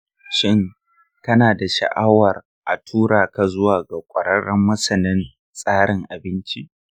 shin kana da sha'awar a tura ka zuwa ga kwararren masanin tsarin abinci?